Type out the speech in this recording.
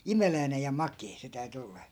imeläinen ja makea se täytyi olla